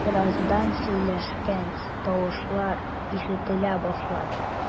Бераздан сөйләшкән тавышлар ишетелә башлады.